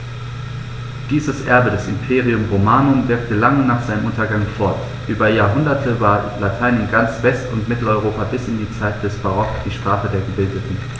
Dieses Erbe des Imperium Romanum wirkte lange nach seinem Untergang fort: Über Jahrhunderte war Latein in ganz West- und Mitteleuropa bis in die Zeit des Barock die Sprache der Gebildeten.